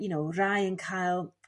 you know rai yn cael